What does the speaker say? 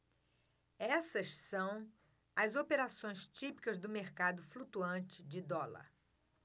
essas são as operações típicas do mercado flutuante de dólar